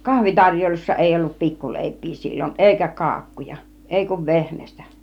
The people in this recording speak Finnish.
kahvitarjoilussa ei ollut pikkuleipiä silloin eikä kakkuja ei kuin vehnästä